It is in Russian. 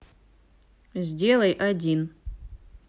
сделай один